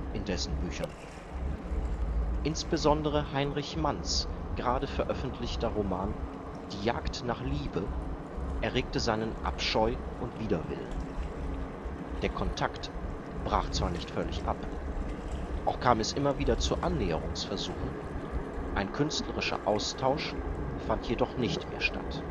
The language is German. in dessen Büchern. Insbesondere Heinrich Manns gerade veröffentlichter Roman Die Jagd nach Liebe erregte seinen Abscheu und Widerwillen. Der Kontakt brach zwar nicht völlig ab, auch kam es immer wieder zu Annäherungsversuchen, ein künstlerischer Austausch fand jedoch nicht mehr statt